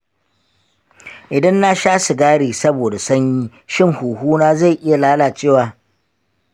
idan na sha sigari saboda sanyi, shin huhuna zai iya lalacewa?